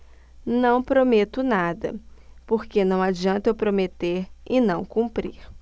não prometo nada porque não adianta eu prometer e não cumprir